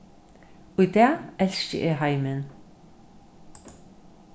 í dag elski eg heimin